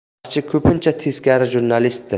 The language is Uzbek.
tarixchi ko'pincha teskari jurnalistdir